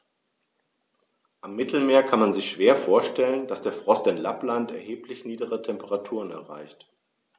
Am Mittelmeer kann man sich schwer vorstellen, dass der Frost in Lappland erheblich niedrigere Temperaturen erreicht.